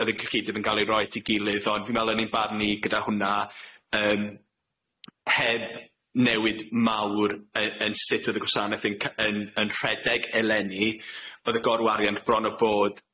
o'dd y cyllideb yn ga'l ei roi at 'i gilydd ond fi'n me'wl yn ein barn ni gyda hwnna, yym heb newid mawr y- yn sut o'dd y gwasaneth yn c- yn yn rhedeg eleni, o'dd y gorwariant bron a bod